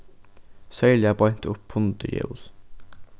serliga beint upp undir jól